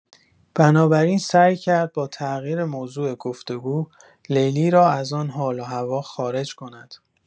بنابراین سعی کرد با تغییر موضوع گفتگو، لیلی را از آن حال و هوا خارج کند.